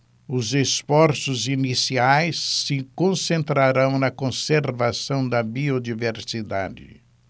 os esforços iniciais se concentrarão na conservação da biodiversidade